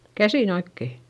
käsin oikein